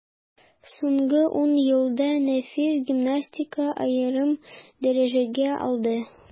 Соңгы ун елда нәфис гимнастика аерым дәрәҗәгә алды.